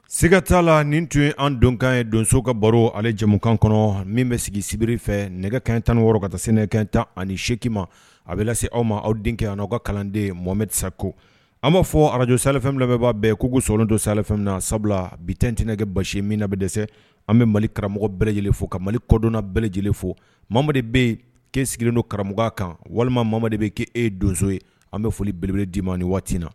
Sɛgɛ tta la nin tun ye an donkan ye donso ka baro ale jɛkan kɔnɔ min bɛ sigi sibbiri fɛ nɛgɛ kɛ tan wɔɔrɔ kata sɛnɛ nɛgɛ tan ani seeki ma a bɛ lase aw ma aw denkɛ kɛ an' aw ka kalanden mɔmɛtisa ko an b'a fɔ araj salifɛn labɛn bba bɛɛ ye k'u sonlon don safɛ sabula bittinɛge basi ye min na bɛ dɛsɛ an bɛ mali karamɔgɔ bɛɛele lajɛlenele fo ka mali kɔdna bɛɛele lajɛlenele fo mama de bɛ ke sigilen don karamɔgɔ kan walima mama de bɛ k' ee donso ye an bɛ foli beleb d'i ma ni waati na